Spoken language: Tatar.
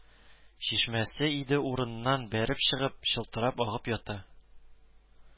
Чишмәсе иде урыннан бәреп чыгып, чылтырап агып ята